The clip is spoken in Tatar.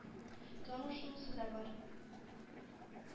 Тагын шунысы да бар: